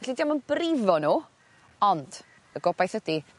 Felly 'di o'm yn brifo n'w ond y gobaith ydi